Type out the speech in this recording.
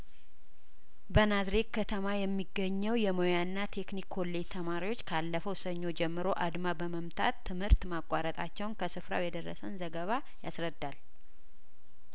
በናዝሬት ከተማ የሚገኘው የሞያና ቴክኒክ ኮሌጅ ተማሪዎች ካለፈው ሰኞ ጀምሮ አድማ በመምታት ትምህርት ማቋረጣቸውን ከስፍራው የደረሰን ዘገባ ያስረዳል